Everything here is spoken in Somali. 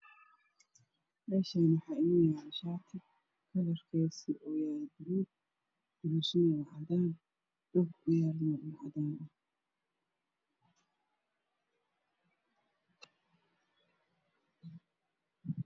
Meeshaani waxaa inoo yaalo shaati kalarkisa yahay buluug guluusoyin cadaan meesha uu yaalana waa cadaan